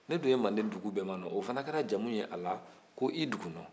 ne dun ye mande dugu bɛɛ manɔ o fana kɛra jamu ye a la ko i dugunɔ